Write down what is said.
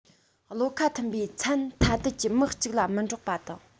བློ ཁ མཐུན པའི མཚན ཐ དད ཀྱི མི གཅིག ལ མི འགྲོགས པ དང